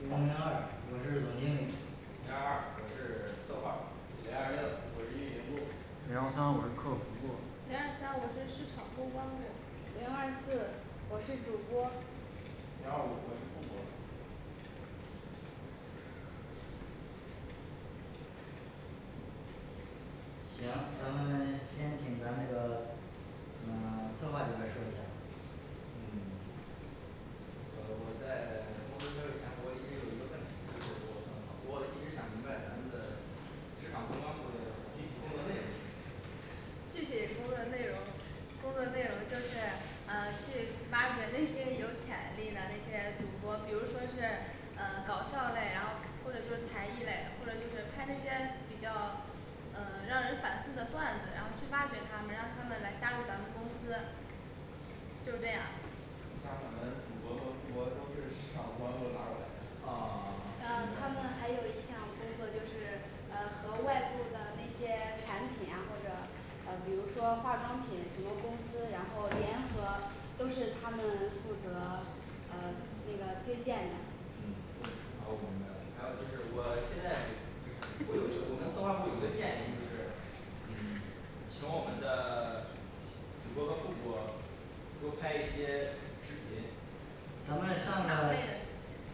零零二我是总经理零二二我是策划零二六我是运营部零幺三我是客服部零二三我是市场公关部零二四我是主播零二五我是副播行，咱们先请咱这个呃 策划这边儿说一下吧嗯 呃我在公司开会前我一直有一个问题，就是我很好我一直想明白咱们的市场公关部的具体工作内容是什么具体工作内容，工作内容就是呃去挖掘那些有潜力的那些主播，比如说是呃搞笑类，然后或者就是才艺类，或者就是拍那些比较呃让人反思的段子，然后去挖掘他们，让他们来加入咱们公司就这样。你像咱们主播和副播都是市场公关部拉过来的 啊明啊他们白还有一项工作就是呃和外部的那些产品呀，或者呃比如说化妆品什么公司，然后联合都是他们负责呃那个推荐的。嗯，那好，我明白了，还有就是我现在我有一个我们策划部有一个建议就是嗯请我们的主播和副播多拍一些视频。就咱们哪上是个类的视频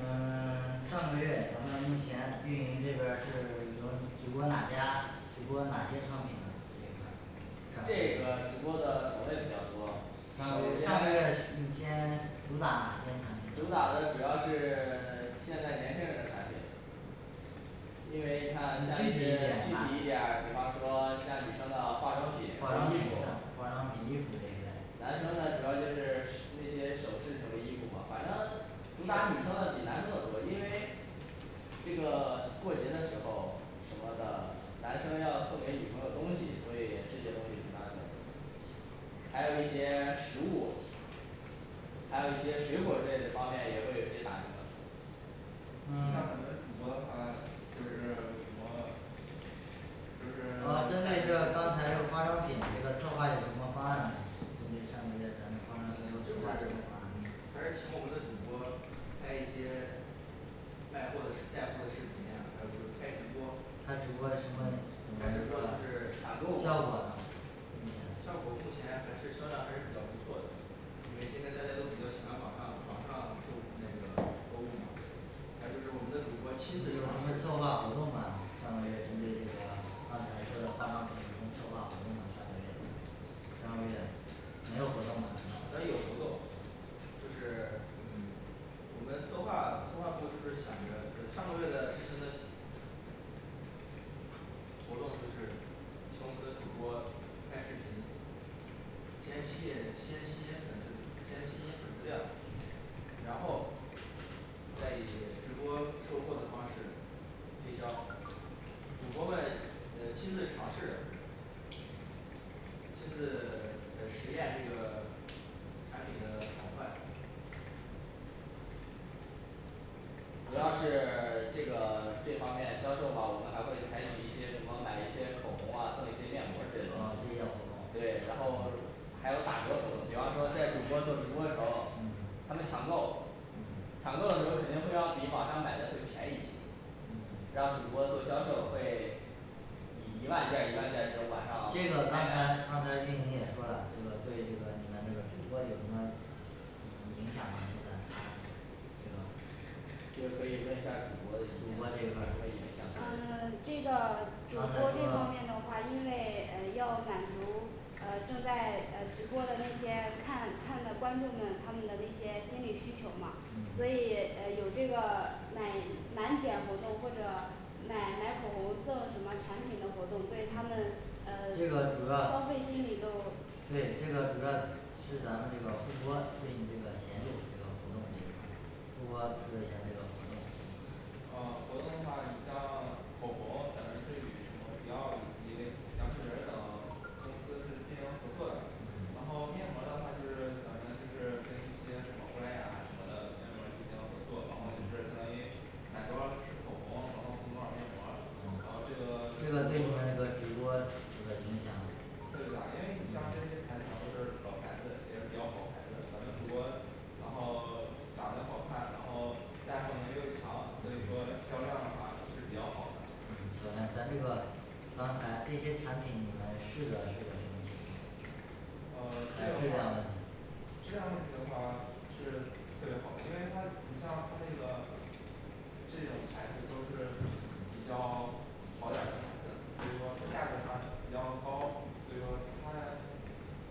嗯 上个月咱们目前运营这边儿是用直播哪家，直播哪些畅品呢？这这块儿上个月个直播的种类比较多，上个月上上个个月，月你先主打哪些产品主打呢的主要是 现在年轻人的产品因为你具看你像这体一点些具儿体一呢点儿，比方说像女生的化妆化妆品、品、衣服，化妆品、衣服这一类，男生呢主要就是饰那些首饰什么衣服嘛，反正主打女生的比男生的多，因为这个过节的时候儿什么的男生要送给女朋友东西，所以这些东西一般比较多。还有一些食物还有一些水果儿之类的方面也会有一些打折你像咱们嗯主播的话就就是什是么？就是噢针对这刚才这个化妆品这个策划有什么方案没？针对上个月咱们这化妆品都呃就策是划什么方案还是请我们的主播拍一些卖货的视带货的视频呀，还有就是开直播开直播什么怎么开直一播个啊就是抢购效果呢啊明显效果目前还是销量还是比较不错的。因为现在大家都比较喜欢网上网上购那个购物嘛还有就是我们的有什主播亲自尝么试策划活动吗，上个月针对这个刚才说的化妆品，有什么策划活动吗上个月，上个月没有活动吗难道诶，有活动。就是嗯我们策划策划部就是想着上个月的实行的西 活动就是请我们的主播拍视频，先吸引先吸引粉丝先吸引粉丝量，然后再以直播售货的方式推销，主播们那个亲自尝试亲自呃实验这个产品的好坏主要是 这个这方面销售吧，我们还会采取一些什么买一些口红啊赠一些面膜儿啊之这类的东西些活动，对，然后还有打折活动，比方说在主播做直播时候儿嗯，他们抢购，嗯抢购的时候儿肯定会要比网上买的会便宜嗯让主播做销售会以一万件儿一万件儿这种往上这个刚才刚才这你也说了，这个对这个你们这个主播有什么嗯，影响呢现在她这个这个可以问一下儿主播的主意见播这一有什块么影响儿呢呃 这个主他播这们方说面的话，因为呃要满足呃正在呃直播的那些看看的观众们他们的那些心理需求嘛嗯，所以呃有这个买满减活动或者买买口红赠什么产品的活动，对他嗯们呃这个主消要费心理都，对，这个主要是咱们这个副播对你这个贤助这个活动这一块儿副播说一下儿这个活动 ，嗯，嗯，嗯，呃，活动的话你像口红，咱们是与什么迪奥以及杨树林儿等公司是进行合作的嗯然后面膜儿的话就是咱们就是跟一些宝格莱雅什么的面膜儿进行合作，然后就嗯是相当于买多少支口红，然后送多少面膜儿，啊嗯这个这个对你们这个直播这个影响特别大，因为你像这嗯些牌子嘛都是老牌子也是比较好牌子咱们主播然后长的也好看，然后带货能力又强，所以嗯说销量的话是比较好嗯，的。销量，咱这个刚才这些产品你们试的是个什么情况现在？呃，这个的话，还有质量问题质量问题的话是特别好的，因为它你像它那个这种牌子都是比较好点儿的牌子，所以说它价格上比较高，所以说它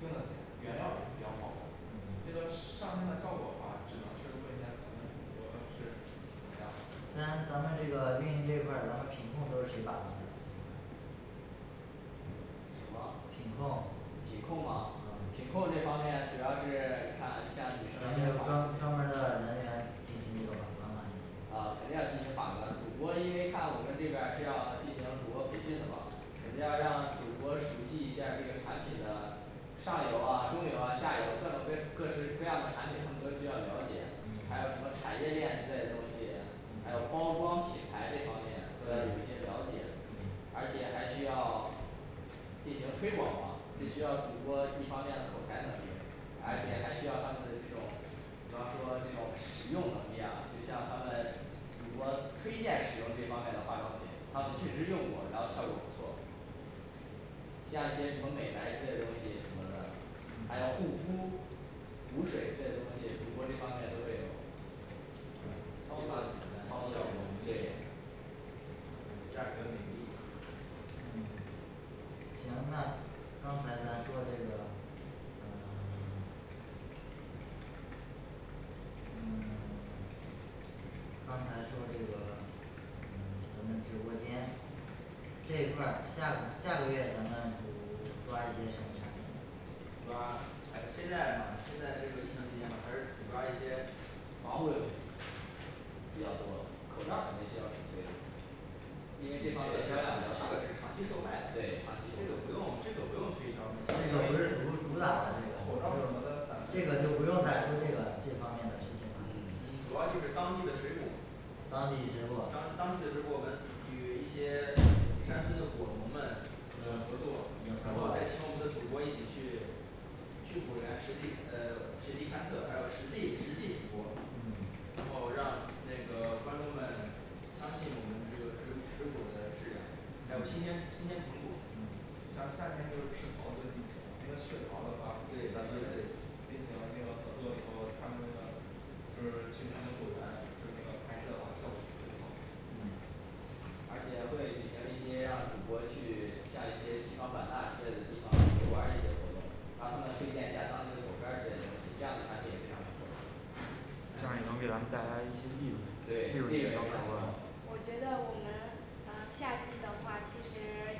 用的材原料儿也比较好。嗯这个上身的效果的话只能是问一下咱们主播是怎么样，咱们这个运营这一块儿，咱们品控都是谁把关的这一块儿？什么，，品控品控啊品啊控这方面主要是你看咱像女生一些们化专专妆门儿品，的人员进行这个把关吗啊肯定要进行把关，只不过因为看我们这边儿是要进行主播培训的嘛，肯定要嗯让主播熟悉一下儿这个产品的，上游啊、中游啊下游啊各种各各式各样的产品，他们都需要了解，还嗯有什么产业链之类的东西嗯，还有包装品牌这方面都要有一对些了解嗯，而且还需要进行推广嘛，这需嗯要主播一方面口才能力，而且还需要他们嗯的这种比方说这种使用能力呀，就像他们主播推荐使用这方面的化妆品，他们嗯确实用过，然后效果不错像一些什么美白之类的东西什么的，嗯还有护肤，补水之类的东西，主播这方面都会有嘈杂简单，效果不退，还有价格美丽嗯 行，那刚才咱说这个呃 嗯 刚才说这个嗯 咱们直播间这一块儿，下个下个月咱们比如抓一些什么产品主抓，还现在嘛，现在这个疫情期间嘛，还是主抓一些防护用品，比较多，口罩儿肯定需要主推的因为这这个这方面，个是销量比较大，长期售卖的对，长期这个售不卖的用，这个不用推销目前那个不是主主打的那口个罩什么的，散，这个就不用再说这个这方面的事情了嗯，主要就是当季的水果儿当季的水果当当季的水果我们与一些山村的果农们呃合作，然合后再请我作们的主播一起去去果园实地勘呃实地勘测，还有实地实地直播嗯然后让那个观众们相信我们这个水果水果儿的质量还有新鲜嗯新鲜程度嗯像夏天就是吃桃子的季节嘛，那个雪桃儿的话进对咱们行那个合作以后，他们那个就是去他们果园就是那个拍摄的话就是效果是特别好嗯而且会举行一些让主播去像一些西双版纳之类的地方游玩儿的这些活动然后他们推荐一下当地的果干儿之类的东西，这样的产品也非常不错能给咱们带来一些利，对润，利利润润也也非非常常高，大我觉得我们呃夏季的话，其实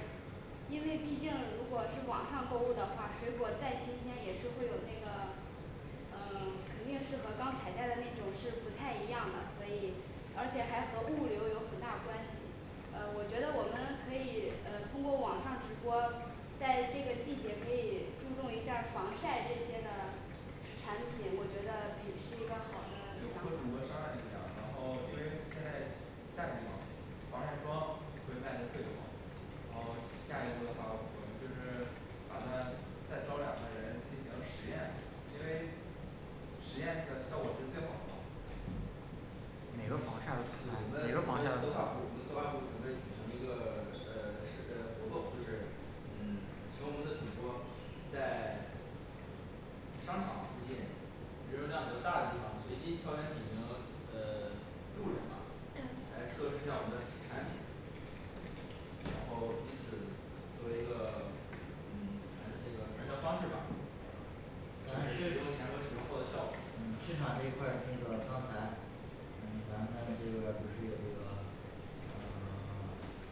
因为毕竟如果是网上购物的话，水果儿再新鲜也是会有那个呃，肯定是和刚采摘的那种是不太一样的，所以而且还和物流有很大关系。呃我觉得我们可以呃通过网上直播，在这个季节可以注重一下防晒这些的产产品，我觉得比是一个好的想法和主播商量一儿下，然后因为现在夏天嘛防晒霜会卖的会好。然后下一步的话我们就是打算再招两个人进行实验，因为实验出的效果是最好的嘛。我们我们策划部我们策划部准备举行一个呃 是呃活动，就是嗯请我们的主播在商场附近人流量比较大的地方，随机挑选几名呃路人嘛嗯来测试一下我们的池 产品然后以此作为一个嗯传销那个传销方式吧咱就是使用市前和使用后的效果，嗯，市场这一块儿那个刚才嗯咱们这边儿不是有这个呃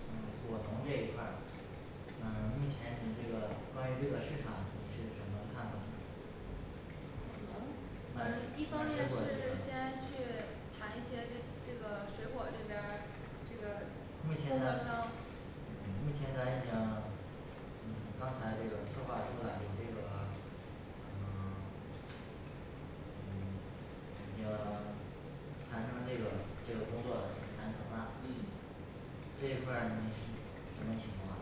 嗯 果农这一块儿，嗯，目前你这个关于这个市场你是什么看法儿呢？嗯卖卖，水一果儿方这面是个先去谈一些这这个水果这边儿这个目供前销咱商嗯目前咱已经，嗯，刚才这个策划说了有这个 嗯 嗯 呃已经谈成这个这个工作啦已经谈成啦嗯这一块儿你是什么情况啊？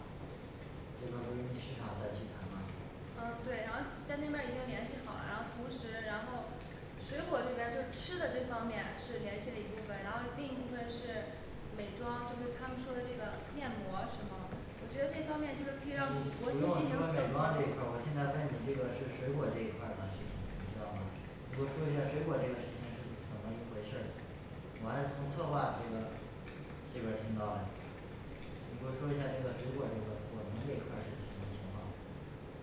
这边儿不是你市场在去谈吗？嗯，对，然后在那边儿已经联系好了，然后同时然后水果儿这边儿就是吃的这方面是联系了一部分，然后另一部分是美妆，就是他们说的这个面膜什么我觉得这方面就是你不需要用主说美播妆这一块儿，我现在问你这个是水果这一块儿呢，是知道吗？你给我说一下水果这个事情是怎么一回事儿，我还是从策划这个这边儿听到嘞你给我说一下儿这个水果儿这个果农这一块儿是什么情况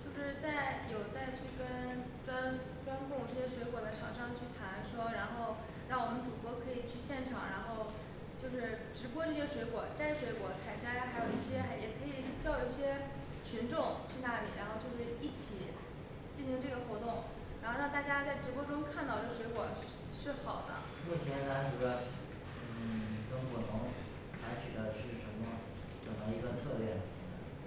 就是在有在去跟跟专供送水果儿的厂商去谈，说然后让我们主播可以去现场，然后就是直播些水果儿摘水果儿采摘，还有一些嗯也可以叫一些群众去那里，然后就是一起进行这个活动，然后让大家在直播中看到这水果儿是好的。目前咱主要，嗯 跟果农采取的是什么怎么一个策略呢现在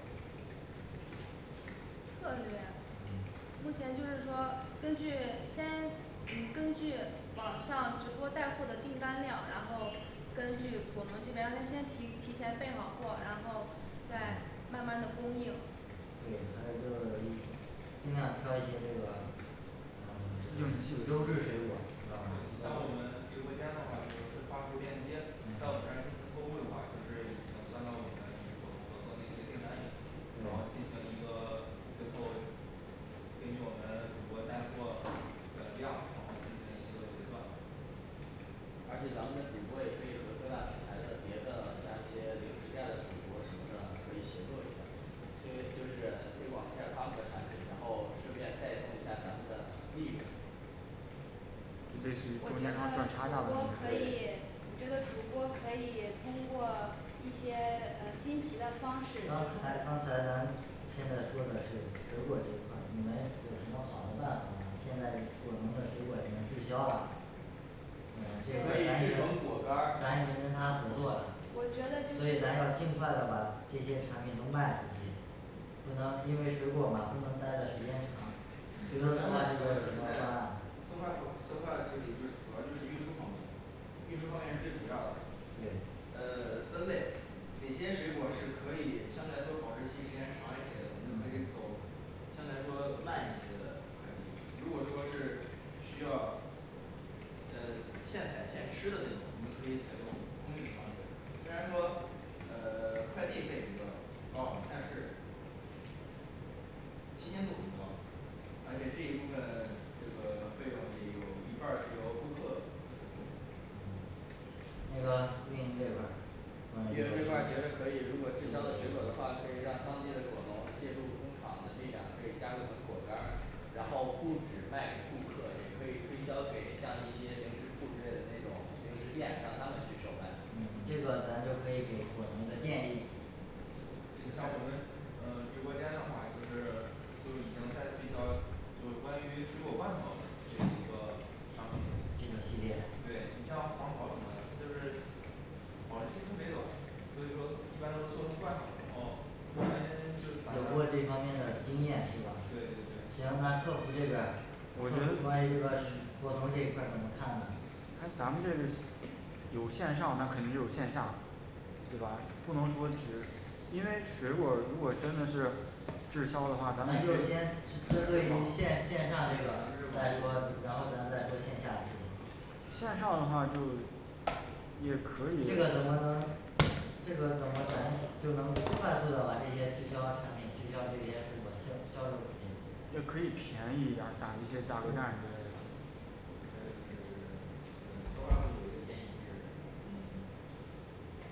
策略，嗯目前就是说根据先嗯根据网上直播带货的订单量，然后根据我们这边儿让他先提提前备好货，然后嗯再慢慢的供应。对还有就是一尽量挑一些这个嗯，这个优质水果儿知道吧？像我们直播间的话可能会发出链接，在我们这儿嗯进行购物的话，就是已经算到我们与果农合作的那些订单里，然后对进行一个 最后根据我们主播带货的量，然后进行一个结算而且咱们的主播也可以和各大品牌的别的像一些零食店的主播什么的可以协作一下儿，因为就是推广一下儿他们的产品，然后顺便带动一下儿咱们的利润。类我觉得主播似于中间商赚差价可对以我觉得主播可以通过一些呃新奇的方当式，自带刚才咱现在说的是水果儿这一块儿，你们有什么好的办法吗？现在果农的水果儿已经滞销了嗯，这块可儿以咱是制成，果干儿咱已经跟他合作了我觉得所以咱要尽快的把这些产品都卖出去，不能因为水果儿嘛不能待的时间长嗯这嗯咱个们策主要划这边儿有什就是么在，方案策划组策划这里就是主要就是运输方面运输方面是最主要的，对呃分类，哪些水果是可以相对来说保质期时间长一些的，我们就可嗯以走。相对来说慢一些的快递如果说是需要呃现采现吃的那种，我们可以采用空运的方式，虽然说呃快递费比较高，但是新鲜度很高，而且这一部分这个费用也有一半儿是由顾客支付嗯那个，运营这块儿。关于运营这这块儿觉得可个，以，如果滞销的水果的话，可以让当地的果农借助工厂的力量可以加工成果干儿，然后不止卖给顾客，也可以推销给像一些零食铺之类的那种零食店，让他们去售卖嗯，这个咱就可以给果农一个建议对像我们呃直播间的话，就是就是已经在推销就是关于水果罐头这一个商品，这个系列对，你像黄桃儿什么的就是保质期特别短，所以说一般都是做成罐头，然后因为就是咱有们，过这方面的经验是吧对对对行，那客服这边儿客服关于这个是 果农这一块儿怎么看呢咱们这个有线上那肯定就有线下的是吧？不能说只，因为水果儿如果真的是滞咱销的话，咱们咱就先针对于们线线上这个来说，然后咱再说线下的食品线上的话就是也可以这，个怎么能这个怎么咱就能快速的把这些滞销产品滞销，这些水果儿销销售出去呢也可以便宜一点儿涨一些杂物件儿之类的。还有就是 呃策划部有一个建议就是嗯，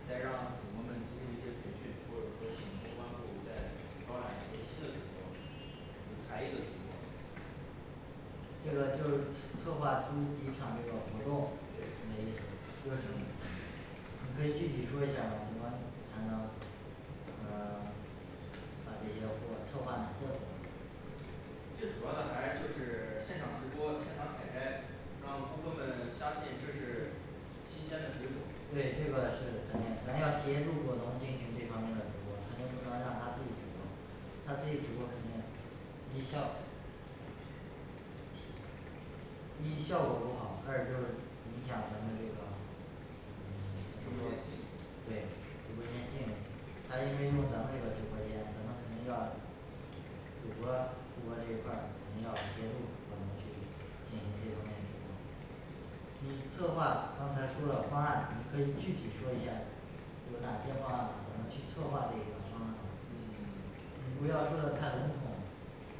再让主播们进行一些培训，或者说请公关部再招揽一些新的主播，有才艺的主播这个就是策划出几场这个活动，对你的意思就就是是说你可以具体说一下儿吗？怎么才能嗯 把这些货策划哪些活动，这主要的还就是 现场直播，现场采摘，让顾客们相信这是对新鲜的水果对这个是肯定咱要协助果农进行，这方面的直播肯定不能让他自己直播，他自己直播肯定一些效一效果不好，二就是影响咱们这个直播嗯间信 用对，直播间信用，他因为用咱们这个直播间，咱们肯定要主播主播这一块儿，我们要协助果农去进行这方面主播。你策划刚才说了方案，你可以具体说一下，有哪些方案怎么去策划这个方案吗，嗯 你不要说的太笼统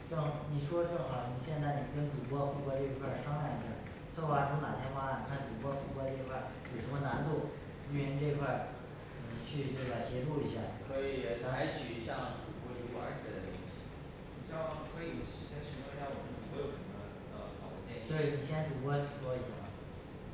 正你说正好你现在你跟主播副播这一块儿商量一下儿，策划出哪些方案，看主播副播这块儿有什么难度。运营这一块儿嗯去这个协助一下儿，可以采取像主播游玩儿之类的东西像可以先询问一下我们主播有什么呃好的建议，对你先主播说一下儿吧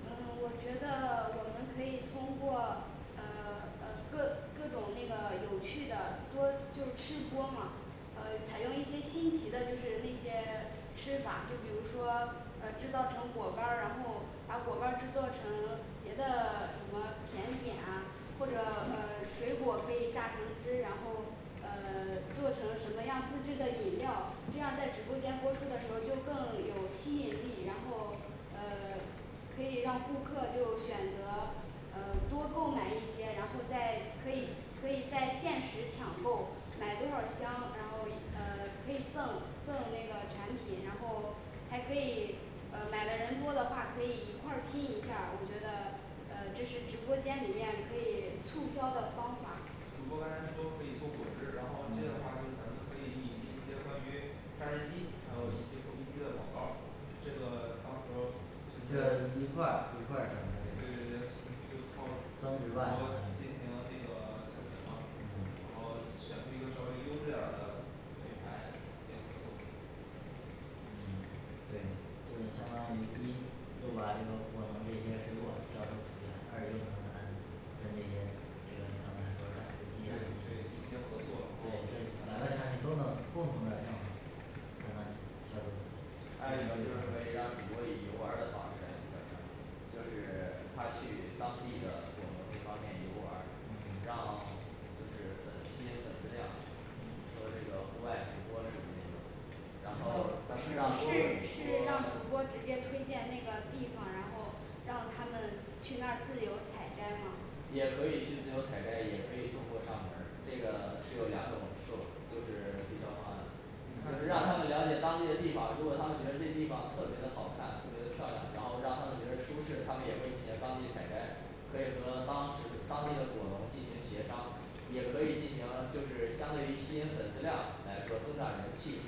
呃我觉得我们可以通过呃呃各各种那个有趣的多就是吃播嘛，呃采用一些新奇的就是那些吃法，就比如说呃制造成果干儿，然后把果干儿制作成别的什么甜点啊或者呃水果可以榨成汁，然后呃做成什么样自制的饮料，这样在直播间播出的时候儿就更有吸引力，然后呃可以让顾客就选择呃多购买一些，然后再可以可以在限时抢购买多少箱，然后呃可以赠赠那个产品，然后还可以呃买的人多的话可以一块儿拼一下儿，我觉得呃这是直播间里面可以促销的方法。主播刚才说可以做果汁，然后这个的话就嗯是咱们可以引进一些关于榨汁机，还有一嗯些破壁机的广告儿，这个到时候儿就就这是，一块儿，一块儿，整对对个这个对，就靠增值主播吧相当进于行那个测评吧嗯然后选出一个稍微优质点儿的品牌结合嗯，对，这就相当于一又把这个果农这些水果儿销售出去了，二又能咱跟这些这个刚才说的榨汁机呀，对对，一些合作诶了，对，两个产品都能共同的项目才能销售出去，还有一种就是可以让主播以游玩儿的方式来推销产品，就是他去当地的果农那方面游玩儿，嗯让就是粉一些粉丝量嗯说这个户外直播属于那种，然后是是是，让让主主播播们，直接推荐那个地方，然后让他们去那儿自由采摘吗？也可以去自由采摘，也可以送货上门儿，这个是有两种售就是推销方案的就是让他们了解当地的地方，如果他们觉得这地方特别的好看，特别的漂亮，然后让他们觉得舒适，他们也会进行当地采摘，可以和当时当地的果农进行协商，也可以进行就是相对于吸引粉丝量来说增长人气。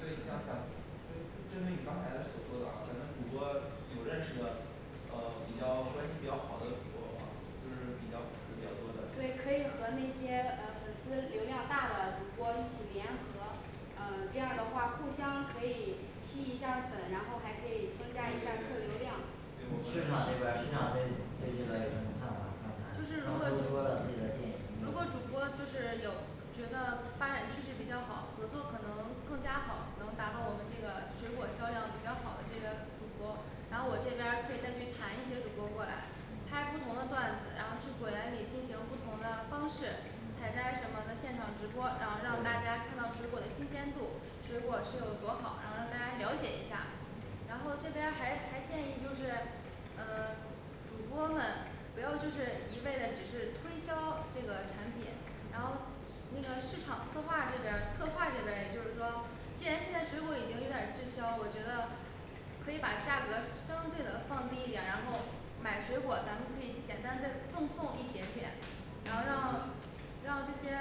对想咱跟针对你刚才所说的啊，咱们主播有认识的，呃比较关系比较好的主播的话，就是比较粉丝比较多的对，可以和那些呃粉丝流量大的主播一起联合嗯，这样的话互相可以吸一下儿粉，然后还可以增对加一下客对流量对，市场这对边儿市场我这们对这个有什么看法？刚就是才如刚才都果说了自己的建议，你如有果什主播就么是有我觉得发展趋势比较好，合作可能更加好，能达到我们这个水果儿销量比较好的这些主播，然后我这边嗯儿可以再去谈一些主播过来嗯拍不同的段子，然后去果园里进行不同的方式嗯采摘什么的现场直播，然后让大家看到水果儿的新鲜度，水果儿是有多好，然后让大家了解一下嗯。然后这边还还建议就是嗯，主播们不要就是一味的只是推销这个产品，然嗯后那个市场策划这边儿策划这边儿也就是说既然现在水果儿已经有点滞销，我觉的可以把价格相对的放低一点儿，然后买水果咱们可以简单再赠送一点点，然后让让这些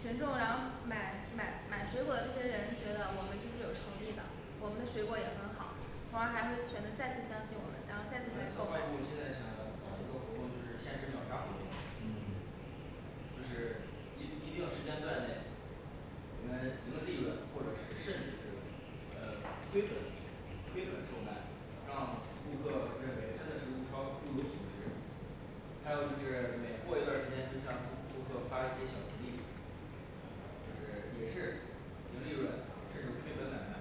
群众然后买买买水果儿的这些人觉得我们就是有诚意的，我们的水果也很好从而还会选择再次相信我们，然后我再去们策购划买部现在想搞一个活动，就是限时秒杀活动嗯就是一一定时间段内，我们零利润或者是甚至是呃亏本亏本售卖，让顾客认为真的是物超物有所值。 还有就是每过一段儿时间就向顾顾客发一些小福利就是也是零利润甚至亏本买卖，